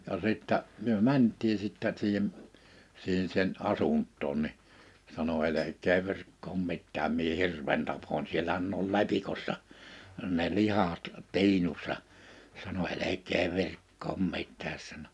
ja sitten me mentiin sitten siihen siihen sen asuntoon niin sanoi älkää virkkaa mitään minä hirven tapoin siellähän ne oli lepikossa ne lihat tiinussa sanoi älkää virkkaa mitään sanoi